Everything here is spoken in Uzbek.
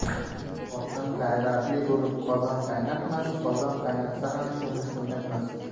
xotin g'ayratli bo'lib qozon qaynatmas qozon qaynatsa ham cho'mich o'ynatmas